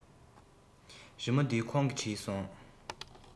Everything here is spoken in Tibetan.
རི མོ འདི ཁོང གིས བྲིས སོང